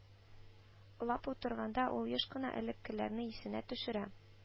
Лап утырганда ул еш кына элеккеләрне исенә төшерә